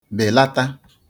bèlata